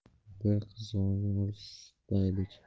biz qirg'oqdan olisda edik